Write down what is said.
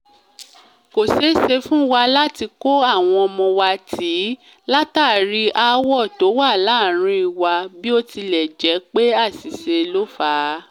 ”Kò ṣéeṣe fún wa lái kó àwọn ọmọ wa tìí látàrí aáwọ̀ tó wà láàárin wa bí ó tilẹ̀ jẹ́ pé àṣìṣe ló fà á.